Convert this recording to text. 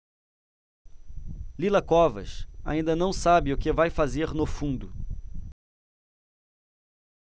lila covas ainda não sabe o que vai fazer no fundo